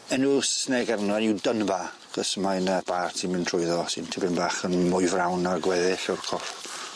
Enw Sysneg arno yw Dunbar achos mae 'na bar sy'n mynd trwyddo sy'n tipyn bach yn mwy frown na'r gweddill o'r coff.